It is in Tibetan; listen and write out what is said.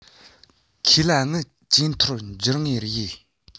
ཁས ལེན དངུལ ཇེ མཐོར འགྱུར ངེས རེད